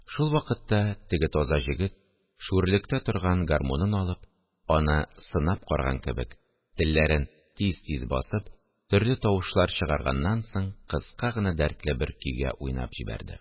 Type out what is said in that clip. Шул вакытта теге таза җегет, шүрлектә торган гармунын алып, аны сынап караган кебек телләрен тиз-тиз басып, төрле тавышлар чыгарганнан соң, кыска гына дәртле бер көйгә уйнап җибәрде